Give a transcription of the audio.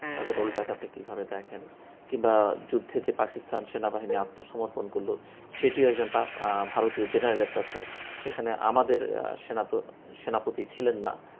তাদের রোল টা কে আপনি কিভাবে দেখেন কিংবা যুদ্ধে যে পাকিস্তান সেনাবাহিনী আত্মসমর্পণ করলো সেটিও একজন ভারতীয় জেনারেল এর কাছে সেখানে আমাদের সেনাপতি ছিলেন না